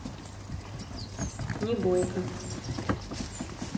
не бойка